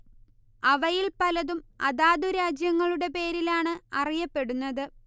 അവയിൽ പലതും അതാതു രാജ്യങ്ങളുടെ പേരിലാണ് അറിയപ്പെടുന്നത്